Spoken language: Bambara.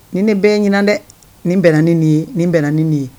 Nin de bɛɛ yan ɲinan dɛ, nin bɛna ni nin ye, nin bɛn ni nin ye.